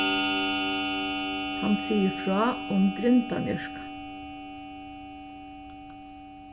hann sigur frá um grindamjørka